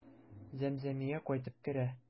Зәмзәмия кайтып керә.